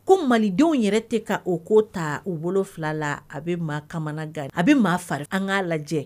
Ko mandendenw yɛrɛ tɛ k' o ko ta u bolo fila la a bɛ maa kamanaga a bɛ maa fari an k' lajɛ